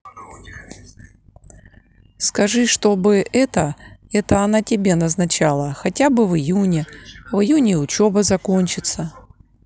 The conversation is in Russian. скажи что бы это это она тебе назначала хотя бы в июне в июне учеба закончится